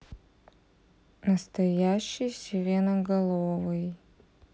настоящий сиреноголовый